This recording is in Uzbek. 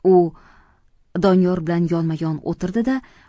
u doniyor bilan yonma yon o'tirdi da